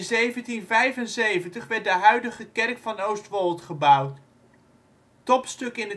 1775 werd de huidige kerk van Oostwold gebouwd. Topstuk in